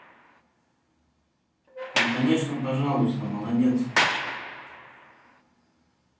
ну конечно пожалуйста молодец